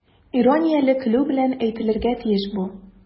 Иронияле көлү белән әйтелергә тиеш бу.